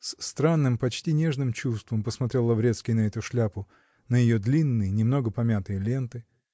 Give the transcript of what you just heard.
с странным, почти нежным чувством посмотрел Лаврецкий на эту шляпу, на ее длинные, немного помятые ленты.